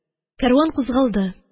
Кәрван кузгалды